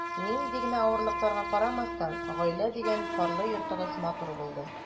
Нинди генә авырлыкларга карамастан, “гаилә” дигән парлы йортыгыз матур булды.